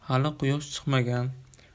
hali quyosh chiqmagan